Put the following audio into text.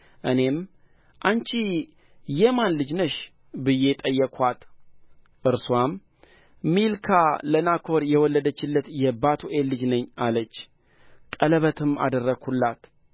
እኔም አንቺ የማን ልጅ ነሽ ብዬ ጠየቅኋት እርስዋም ሚልካ ለናኮር የወለደችለት የባቱኤል ልጅ ነኝ አለች ቀለበትም አደረግሁላት